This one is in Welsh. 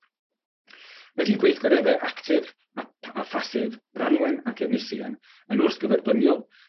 Ydi gweithgaredde actif a pa- a phasif Branwen ac Efnisien yn wrthgyferbyniol?